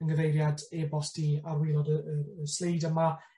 'yn nghyfeiriad e-bost i ar waelod y y y sleid yma.